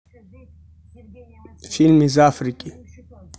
фильм из африки